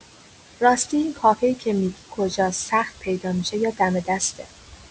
راستی این کافه‌ای که می‌گی کجاست، سخت پیدا می‌شه یا دم دسته؟